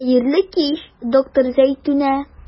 Хәерле кич, доктор Зәйтүнә.